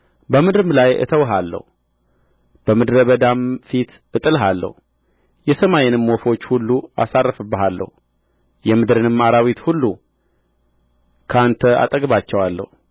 በምድርም ላይ እተውሃለሁ በምድረ በዳም ፊት እጥልሃለሁ የሰማይንም ወፎች ሁሉ አሳርፍብሃለሁ የምድርንም አራዊት ሁሉ ከአንተ አጠግባቸዋለሁ